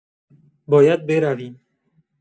باید برویم.